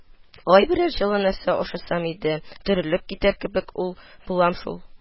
АЙ берәр җылы нәрсә ашасам иде, терелеп китәр кебек үк булам шул